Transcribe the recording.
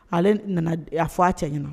Ale nana a fɔ' a cɛ ɲɛna